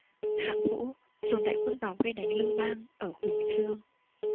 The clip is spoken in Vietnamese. hạng vũ dồn đại quân vào vây đánh lưu bang ở huỳnh dương